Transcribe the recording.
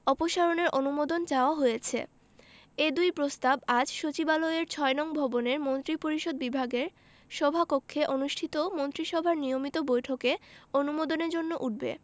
অপসারণের অনুমোদন চাওয়া হয়েছে এ দুই প্রস্তাব আজ সচিবালয়ের ৬ নং ভবনের মন্ত্রিপরিষদ বিভাগের সভাকক্ষে অনুষ্ঠিত মন্ত্রিসভার নিয়মিত বৈঠকে অনুমোদনের জন্য উঠবে